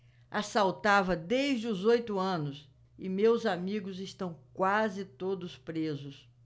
assaltava desde os oito anos e meus amigos estão quase todos presos